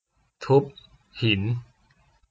ทุบหิน